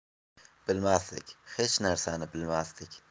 bilmasdik xeh narsani bilmasdik